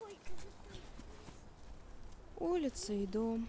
улица и дом